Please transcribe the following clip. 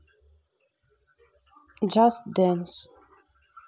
джаст дэнс